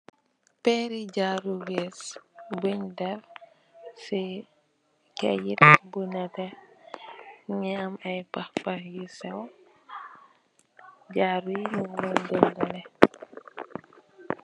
Pèryi jaru wees bun def si kait bu nette mugi am ai pahpah yu siwe jaru yi mu nge woneh.